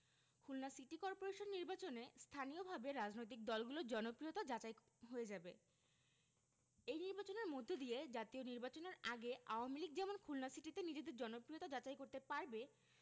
Khulna city corporation নির্বাচনে স্থানীয়ভাবে রাজনৈতিক দলগুলোর জনপ্রিয়তা যাচাই হয়ে যাবে এই নির্বাচনের মধ্য দিয়ে জাতীয় নির্বাচনের আগে আওয়ামী লীগ যেমন খুলনা সিটিতে নিজেদের জনপ্রিয়তা যাচাই করতে পারবে